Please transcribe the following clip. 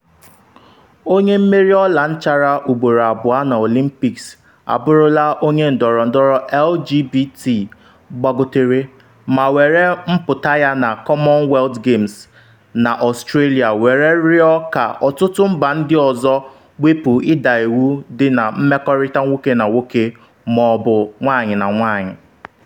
Onye mmeri ọla nchara ugboro abụọ na Olympics abụrụla onye ndọrọndọrọ LGBT gbagotere, ma were mpụta ya na Commonwealth Games na Australia were rịọ ka ọtụtụ mba ndị ọzọ wepu ịda iwu dị na mmekọrịta nwoke na nwoke ma ọ bụ nwanyị na nwanyị.